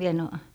minä en ole